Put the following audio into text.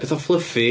Petha fluffy.